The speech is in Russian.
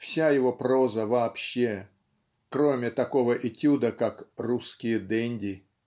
вся его проза вообще (кроме такого этюда как "Русские денди").